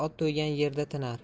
ot to'ygan yerda tinar